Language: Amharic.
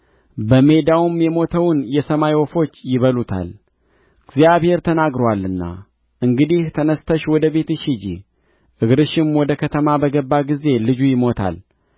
በሜዳውም የሞተውን የሰማይ ወፎች ይበሉታል እግዚአብሔር ተናግሮአልና እንግዲህ ተነሥተሽ ወደ ቤትሽ ሂጂ እግርሽም ወደ ከተማ በገባ ጊዜ ልጁ ይሞታል